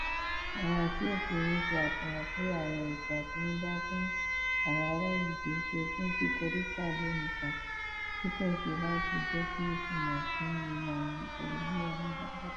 Àwọn àkíyèsí yìí ń ṣe àfihàn pé àwọn ètò àtinúdá fún àwọn ará ìlú kìí ṣe fún kíkó dátà jọ nìkan bí kò ṣe láti jẹ́ kí ó ní ìtumò fún gbogbo àwọn olùgbé agbegbe pátápátá.